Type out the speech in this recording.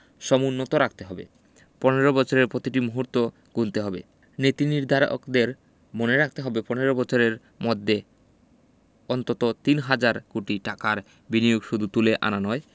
সমুন্নত রাখতে হবে ১৫ বছরের প্রতিটি মুহূর্ত গুনতে হবে নীতিনির্ধারকদের মনে রাখতে হবে ১৫ বছরের মধ্যে অন্তত তিন হাজার কোটি টাকার বিনিয়োগ শুধু তুলে আনা নয়